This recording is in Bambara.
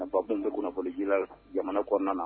Ba bɛ kunnafonidi jamana kɔnɔna na